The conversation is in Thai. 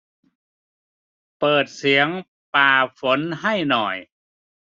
เปิดเสียงป่าฝนให้หน่อย